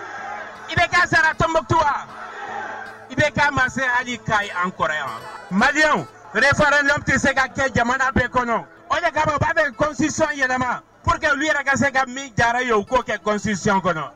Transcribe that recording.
I bɛtoonmɔtu i bɛ an kɔrɔ maria fara tɛ se ka kɛ jamana bɛɛ kɔnɔ b'a bɛsisi yɛlɛma u yɛrɛ se ka min diyara ye u k'o kɛ gsisi kɔnɔ